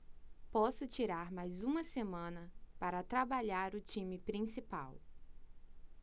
posso tirar mais uma semana para trabalhar o time principal